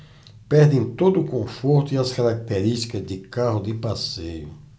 perdem todo o conforto e as características de carro de passeio